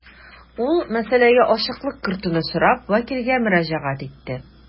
Ул мәсьәләгә ачыклык кертүне сорап вәкилгә мөрәҗәгать итте.